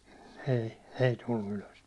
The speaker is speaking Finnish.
ei ei tullut ylös